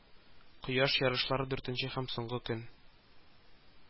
Кояш ярышлары, дүртенче һәм соңгы көн